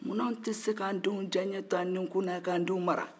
munna anw tɛ se k'an denw diyanye t'an nikun na k'an denw mara